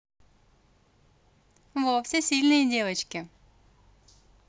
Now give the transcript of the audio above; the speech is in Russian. во все сильные девочки